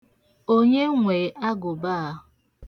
Onye nwe agụba a?